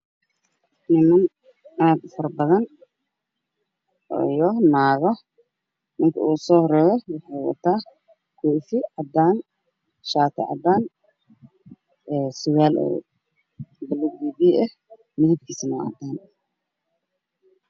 Waa hool waxaa jooga niman naago aada u farabadan ninka u soo haray wuxuu wataa shaati caddaan koofi cadaan